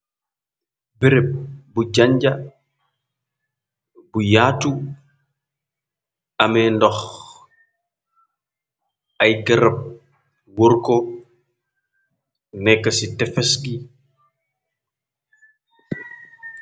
Bereb bu janja bu yaatu amée ndox ay gërab wur ko nekk ci tefes gi.